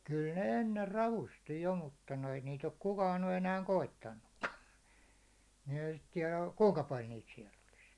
kyllä ne ennen ravusti jo mutta noin niitä ole kukaan nyt enää koittanutkaan niin eihän sitä tiedä kuinka paljon niitä siellä olisi